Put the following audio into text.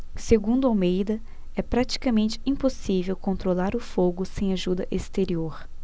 segundo almeida é praticamente impossível controlar o fogo sem ajuda exterior